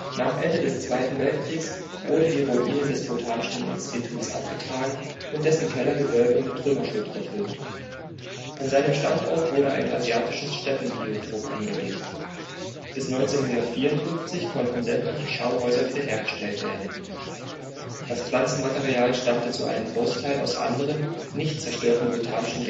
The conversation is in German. Nach Ende des Zweiten Weltkriegs wurde die Ruine des Botanischen Instituts abgetragen und dessen Kellergewölbe mit Trümmerschutt verfüllt. An seinem Standort wurde ein asiatisches Steppenbiotop angelegt. Bis 1954 konnten sämtliche Schauhäuser wiederhergestellt werden. Das Pflanzenmaterial stammte zu einem Großteil aus anderen, nicht zerstörten Botanischen